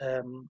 yym